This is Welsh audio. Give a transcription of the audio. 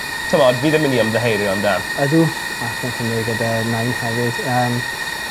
t'mod fi ddim myn' i ymddiheurio amdan. Ydyw ac yn ffrindiau gada nain hefyd yym